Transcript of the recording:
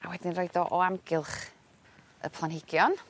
a wedyn roid o o amgylch y planhigion.